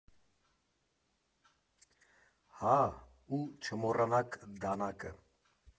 Հա՜, ու չմոռանաք դանակը։